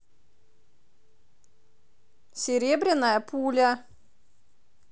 серебряная пуля